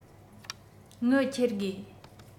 དངུལ འཁྱེར དགོས